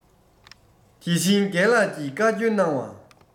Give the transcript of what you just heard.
དེ བཞིན རྒན ལགས ཀྱིས བཀའ བཀྱོན གནང བ